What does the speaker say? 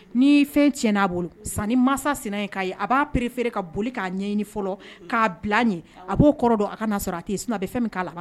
Ni fɛn cɛ n'a bolo san mansa sina ye k'a ye a b'a perefeere ka boli k'a ɲɛɲini fɔlɔ k'a bila ɲɛ a b'o kɔrɔ dɔn a ka sɔrɔ a te sun a bɛ fɛn min k'a la